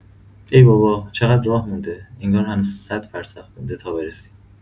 ای بابا، چقدر راه مونده، انگار هنوز صد فرسخ مونده تا برسیم!